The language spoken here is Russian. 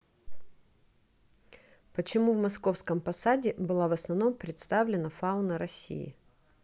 почему в московском посаде была в основном представлена фауна россии